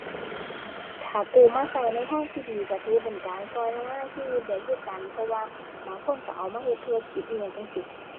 ถ้ากู้มาใช้ในทางที่ดีใช้ถือเป็นการใช้พัฒนาชีวิตได้คือกัน เพราะว่าบางคนใช้เอามาเฮ็ดธุรกิจอิหยังจั่งซี้